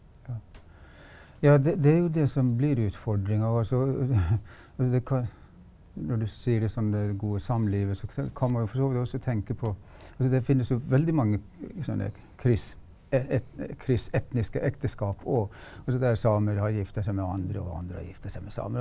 ja, det det er jo det som blir utfordringa og altså det kan når du sier liksom det gode samlivet så kan man jo for så vidt også tenke på altså det finnes jo veldig mange sånn kryss kryss etniske ekteskap òg altså der samer har gifta seg med andre og andre har giftet seg med samer.